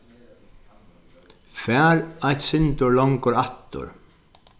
far eitt sindur longur aftur